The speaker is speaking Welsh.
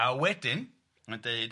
A wedyn mae'n deud,